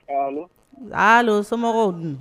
Sa somɔgɔw dun